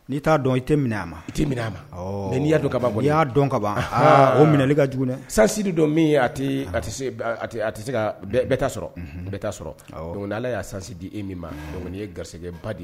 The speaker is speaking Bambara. N'i t'a dɔn i tɛ a ma i tɛ a ma n'i yaa don ka ban bɔ i y'a dɔn ka ban o minɛli ka juguya sansidi don min a tɛ se ka sɔrɔ sɔrɔda ala y'a sansin di e min ma kɔni' ye garigɛ ba di ye